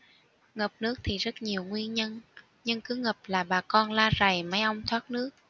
ngập nước thì rất nhiều nguyên nhân nhưng cứ ngập là bà con la rầy mấy ông thoát nước